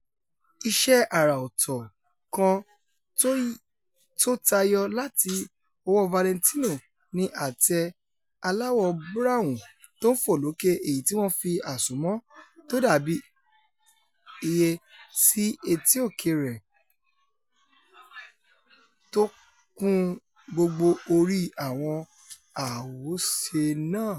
Iṣẹ́ ara-ọ̀tọ̀ kan tótayọ láti ọwọ́ Valentino ni ate aláwọ̀ búráùn tó-ń-fòlókè èyití wọ́n fi àṣomọ́ tódàbí ìyẹ́ sí etí-òkè rẹ̀ tókún gbogbo orí àwọn àwòṣe náà.